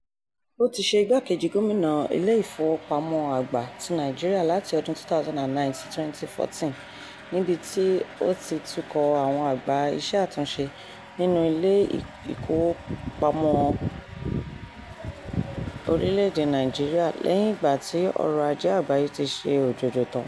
Ó ti ṣe igbá-kejì gómìnà Ilé Ìfowópamọ́ Àgbà ti Nàìjíríà láti ọdún 2009 sí 2014, níbi tí “ó ti tukọ̀ ọ àwọn àgbà iṣẹ́ àtúnṣe nínú ètò ìkówóoamọ́ orílẹ̀ èdè Nàìjíríà lẹ́yìn ìgbà tí ọrọ̀ Ajé àgbáyé ti ṣe òjòjò tán.”